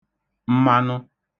mmanụ